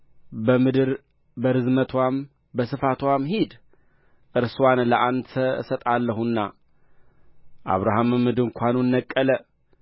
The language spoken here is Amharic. በምድር በርዝመትዋም በስፋትዋም ሂድ እርስዋን ለአንተ እሰጣለሁና አብራምም ድንኳኑን ነቀለ